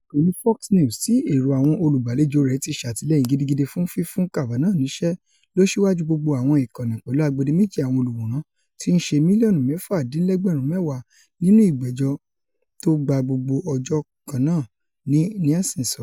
Ìkànnì Fox News, tí èrò àwọn olùgbàlejò rẹ̀ ti ṣàtìlẹ́yìn gidigidi fún fífún Kavanaugh níṣẹ́, ló síwáju gbogbo àwọn ìkànnì pẹ̀lú agbedeméjí àwọn olùwòran tí íṣe mílíọ̀nù mẹ́fà dín lẹ́gbẹ̀rún mẹ́wàá nínú ìgbẹ́jọ́ tó gba gbogbo ọjọ kan náà, ni Nielsen sọ.